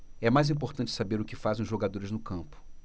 é mais importante saber o que fazem os jogadores no campo